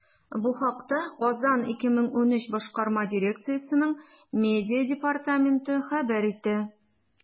Бу хакта “Казан 2013” башкарма дирекциясенең медиа департаменты хәбәр итә.